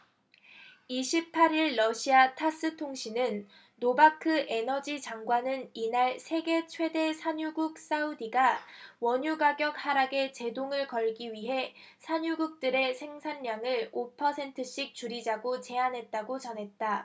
이십 팔 일 러시아 타스 통신은 노바크 에너지장관은 이날 세계 최대 산유국 사우디가 원유가격 하락에 제동을 걸기 위해 산유국들에 생산량을 오 퍼센트씩 줄이자고 제안했다고 전했다